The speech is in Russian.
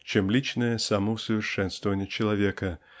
чем личное самоусовершенствование человека